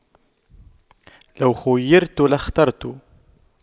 لو خُيِّرْتُ لاخترت